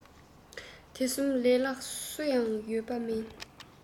དེ གསུམ ལས ལྷག སུ ཡང ཡོད པ མིན